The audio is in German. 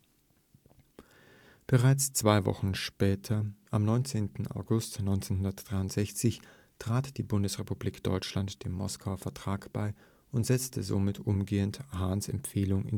Bereits zwei Wochen später, am 19. August 1963, trat die Bundesrepublik Deutschland dem ' Moskauer Vertrag ' bei und setzte somit umgehend Hahns Empfehlung